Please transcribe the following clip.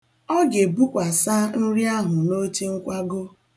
Ọ ga-ebukwasa nri ahụ n'oche nkwago.